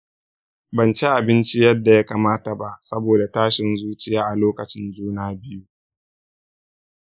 ban ci abinci yadda ya kamata ba saboda tashin zuciya a lokacin juna biyu.